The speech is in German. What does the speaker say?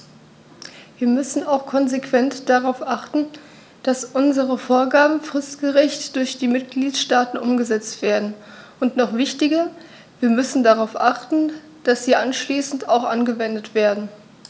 Wir müssen auch konsequent darauf achten, dass unsere Vorgaben fristgerecht durch die Mitgliedstaaten umgesetzt werden, und noch wichtiger, wir müssen darauf achten, dass sie anschließend auch angewendet werden.